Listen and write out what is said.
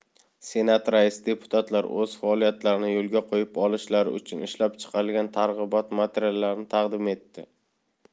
senat raisi deputatlar o'z faoliyatlarini yo'lga qo'yib olishlari uchun ishlab chiqilgan targ'ibot materiallarini taqdim etdi